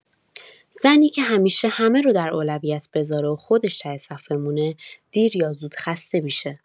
زنی که همیشه همه رو در اولویت بذاره و خودش ته صف بمونه، دیر یا زود خسته می‌شه.